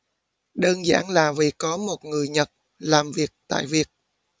đơn giản là vì có một người nhật làm việc tại việt